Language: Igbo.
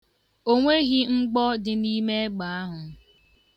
O nweghị mgbọ dị n'ime egbe ahụ.